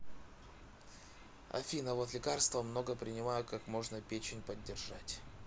афина вот лекарства много принимаю как можно печень поддержать